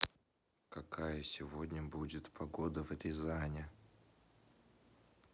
какая сегодня будет погода в рязани